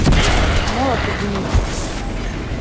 молотый глуп